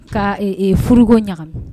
Ka furuko ɲaga